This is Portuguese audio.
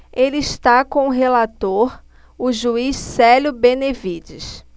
ele está com o relator o juiz célio benevides